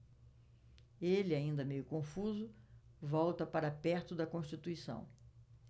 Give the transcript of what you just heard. ele ainda meio confuso volta para perto de constituição